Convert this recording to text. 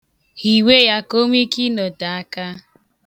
Hiwe ya ka o nwee ike ịnọte aka.